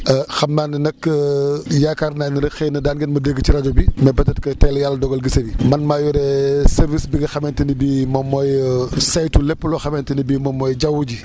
xam naa ni nag yaakaar naa ni xëy na daa ngeen ma dégg ci rajo bi mais peut être que tey la yàlla dogal gise bi man maa yore service bi nga xamante ni bii moom mooy saytu lépp loo xamante ni bii moom mooy jaww ji